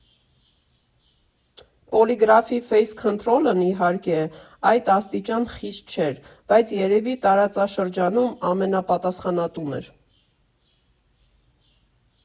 Պոլիգրաֆի ֆեյս քընթրոլն, իհարկե, այդ աստիճան խիստ չէր, բայց երևի տարածաշրջանում ամենապատասխանատուն էր։